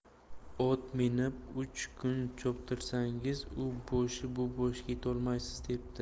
ot minib uch kun choptirsangiz u boshidan bu boshiga yetolmaysiz debdi